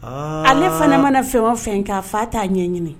Ale fana mana fɛn o fɛ k'a fa t' a ɲɛ ɲini